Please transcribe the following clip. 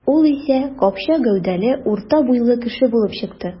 Ул исә какча гәүдәле, урта буйлы кеше булып чыкты.